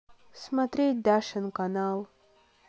смотреть дашин канал